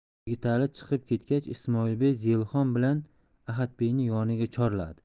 yigitali chiqib ketgach ismoilbey zelixon bilan ahadbeyni yoniga chorladi